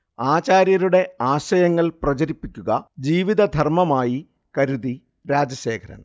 ആചാര്യരുടെ ആശയങ്ങൾ പ്രചരിപ്പിക്കുക ജീവിതധർമമായി കരുതി രാജശേഖരൻ